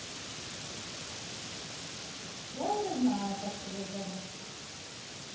я уже знаю как тебя зовут